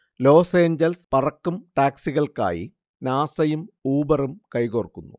loss Angeles പറക്കും ടാക്സികൾക്കായി നാസയും ഊബറും കൈകോർക്കുന്നു